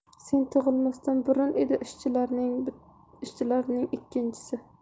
sen tug'ilmasdan burun dedi ishchilarning ikkinchisi